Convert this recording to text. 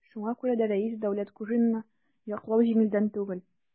Шуңа күрә дә Рәис Дәүләткуҗинны яклау җиңелдән түгел.